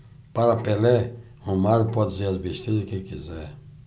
para pelé romário pode dizer as besteiras que quiser